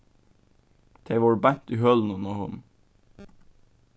tey vóru beint í hølunum á honum